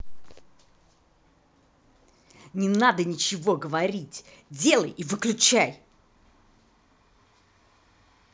не надо ничего говорить делай и выключай